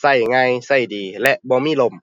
ใช้งาน ใช้ดี และบ่มีล่ม